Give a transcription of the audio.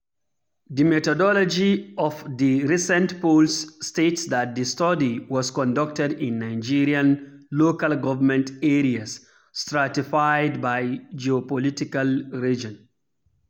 The methodology of the recent poll states that the study was conducted in Nigerian "local government areas stratified by geopolitical region".